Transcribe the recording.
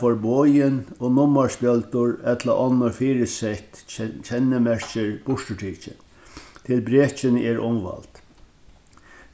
forboðin og nummarspjøldur ella onnur fyrisett kennimerkir burturtikin til brekini eru umvæld